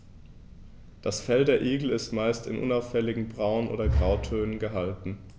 Das Fell der Igel ist meist in unauffälligen Braun- oder Grautönen gehalten.